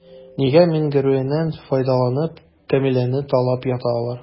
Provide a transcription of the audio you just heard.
Нигә миңгерәюеннән файдаланып, Камиләне талап ята алар?